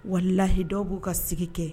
Walahi dɔw b'u ka sigi kɛ